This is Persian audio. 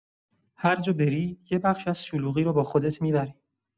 هرجا بری، یه بخش از شلوغی رو با خودت می‌بری.